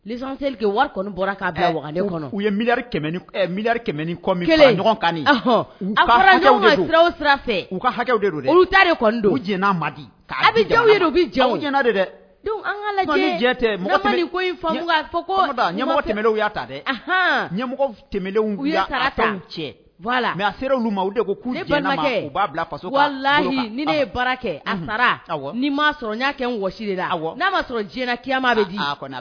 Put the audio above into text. Z wari bɔra dɛ ta ma ko'a lahiyi bara kɛ ni sɔrɔ'a kɛ wa de la'a sɔrɔya